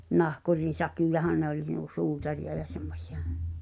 nahkurin sakkiahan ne oli nuo suutareita ja semmoisia